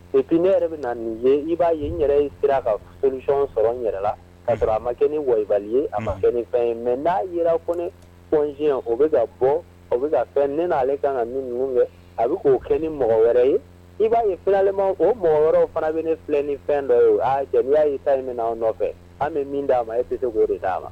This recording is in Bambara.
I ne yɛrɛ bɛ na nin ye i b'a ye n yɛrɛ ye sira ka furusɔn sɔrɔ n yɛrɛ la kaa sɔrɔ a ma kɛ ni wabali ye a ma kɛ ni fɛn ye mɛ n'a jira psi o bɛ ka bɔ o bɛ ka fɛn ne'ale kan ka numu fɛ a bɛ k' oo kɛ ni mɔgɔ wɛrɛ ye i b'a yelenma o mɔgɔ wɛrɛ fana bɛ filɛ ni fɛn dɔ ye a jeliya y'isa minɛ aw nɔfɛ an bɛ min d'a ma e tɛ se k o de'a la